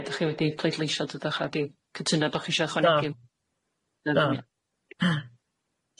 Ie dach chi wedi pleidleisio tydach a wedi cytuno bo' chi isio ychwanegu? Do do, na, do.